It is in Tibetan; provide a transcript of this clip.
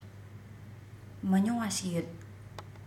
མི ཉུང བ ཞིག ཡོད